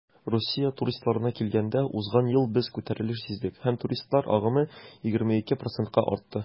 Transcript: Россия туристларына килгәндә, узган ел без күтәрелеш сиздек һәм туристлар агымы 22 %-ка артты.